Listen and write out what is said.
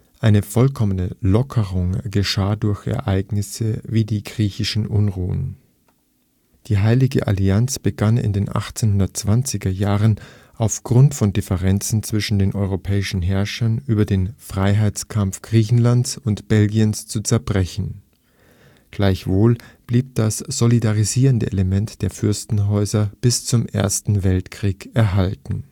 Eine vollkommene Lockerung geschah durch Ereignisse wie die griechischen Unruhen. Die Heilige Allianz begann in den 1820ern auf Grund von Differenzen zwischen den europäischen Herrschern über den Freiheitskampf Griechenlands und Belgiens zu zerbrechen. Gleichwohl blieb das solidarisierende Element der Fürstenhäuser bis zum Ersten Weltkrieg erhalten